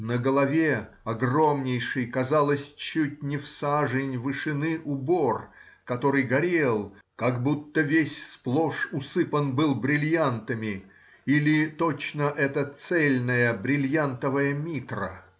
на голове огромнейший, казалось, чуть ли не в сажень вышины, убор, который горел, как будто весь сплошь усыпан был бриллиантами или точно это цельная бриллиантовая митра.